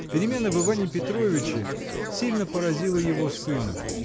Перемена в Иване Петровиче сильно поразила его сына